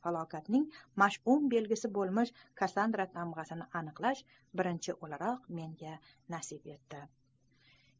falokatning mash'um belgisi bo'lmish kassandra tamg'asini aniqlash birinchi o'laroq menga nasib qildi